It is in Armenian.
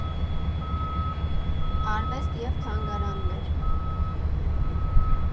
ԱՐՎԵՍՏ ԵՎ ԹԱՆԳԱՐԱՆՆԵՐ։